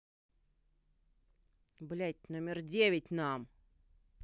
блядь номер девять нам